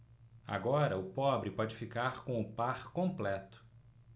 agora o pobre pode ficar com o par completo